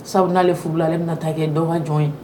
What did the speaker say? Sabu'ale fuugula ale bɛna na taa kɛ dɔnma jɔn ye